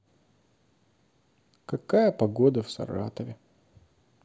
какая погода в саратове